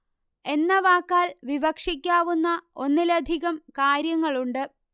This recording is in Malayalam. എന്ന വാക്കാൽ വിവക്ഷിക്കാവുന്ന ഒന്നിലധികം കാര്യങ്ങളുണ്ട്